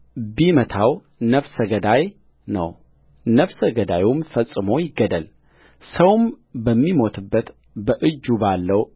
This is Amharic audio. ቢመታው ነፍሰ ገዳይ ነው ነፍሰ ገዳዩም ፈጽሞ ይገደልሰውም በሚሞትበት በእጁ ባለው